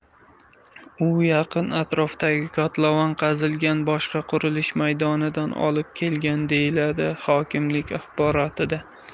u yaqin atrofdagi kotlovan qazilgan boshqa qurilish maydonidan olib kelingan deyiladi hokimlik axborotida